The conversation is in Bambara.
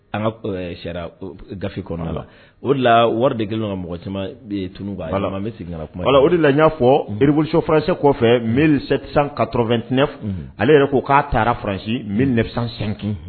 An sariya gafe kɔnɔ la o de la wari de kelen mɔgɔ caman tunun' n bɛ sigirana o de la n y'a fɔ nbabsifakisɛ kɔfɛ mi ka toro2t ale yɛrɛ k'o k'a taara faransi mi sankun